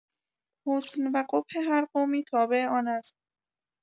حسن و قبح هر قومی تابع آنست.